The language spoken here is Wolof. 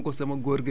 moo gën ci suuf si